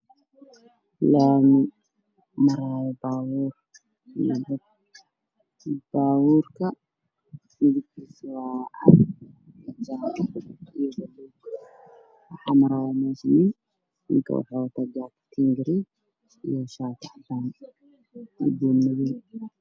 Waa waddo waxaa marayo baabuur midabkiisu waa caddaan jaalle iyo guddid waxaana wadanin nin